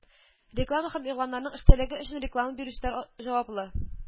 Реклама һәм игъланнарның эчтәлеге өчен реклама бирүчеләр җаваплы